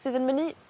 sydd yn mynnu